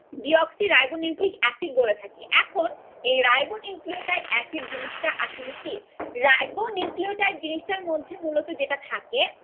deoxyribonucleic acid বলে থাকি এখন এই রাইবো নিউক্লিওটাইড জিনিসটা আসলে কি রাইবোনিউক্লিক জিনিস টার মধ্যে মূলত যেটা থাকে